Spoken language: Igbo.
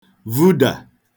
vudà